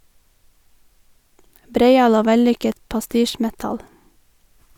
Breial og vellykket pastisjmetal.